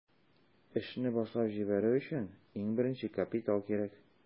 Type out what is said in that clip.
Эшне башлап җибәрү өчен иң беренче капитал кирәк.